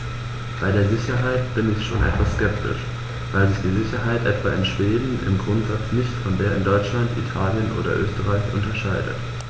Bei der Sicherheit bin ich schon etwas skeptisch, weil sich die Sicherheit etwa in Schweden im Grundsatz nicht von der in Deutschland, Italien oder Österreich unterscheidet.